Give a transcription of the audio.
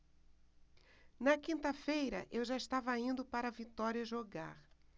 na quinta-feira eu já estava indo para vitória jogar